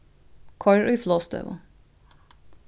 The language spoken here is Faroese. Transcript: koyr í flogstøðu